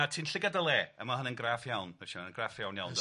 na ti'n llygad dy le a ma' hwnna'n graff iawn Richard yn graff iawn iawn 'de.